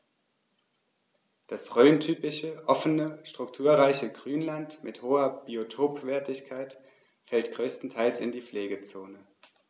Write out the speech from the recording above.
Das rhöntypische offene, strukturreiche Grünland mit hoher Biotopwertigkeit fällt größtenteils in die Pflegezone.